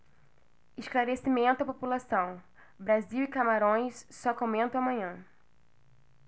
esclarecimento à população brasil e camarões só comento amanhã